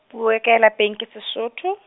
puo yaka lapeng ke Sesotho.